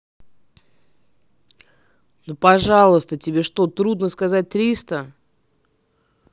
ну пожалуйста тебе что трудно сказать триста